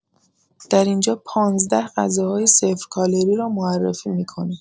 در اینجا ۱۵ غذاهای صفر کالری را معرفی می‌کنیم